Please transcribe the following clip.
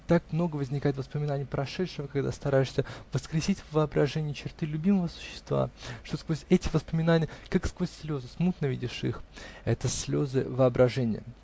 Так много возникает воспоминаний прошедшего, когда стараешься воскресить в воображении черты любимого существа, что сквозь эти воспоминания, как сквозь слезы, смутно видишь их. Это слезы воображения.